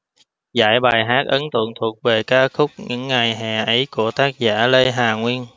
giải bài hát ấn tượng thuộc về ca khúc những ngày hè ấy của tác giả lê hà nguyên